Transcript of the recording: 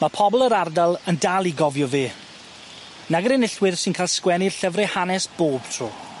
Ma' pobol yr ardal yn dal i gofio fe nage'r enillwyr sy'n ca'l sgwennu'r llyfre hanes bob tro.